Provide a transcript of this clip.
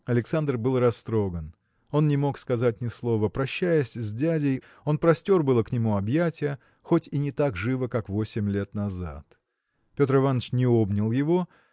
Александр был растроган; он не мог сказать ни слова. Прощаясь с дядей он простер было к нему объятия хоть и не так живо как восемь лет назад. Петр Иваныч не обнял его